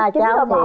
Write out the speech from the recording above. cha cháu thì